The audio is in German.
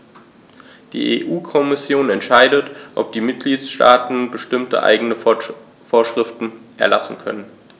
Die EU-Kommission entscheidet, ob die Mitgliedstaaten bestimmte eigene Vorschriften erlassen können.